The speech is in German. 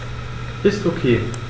Ist OK.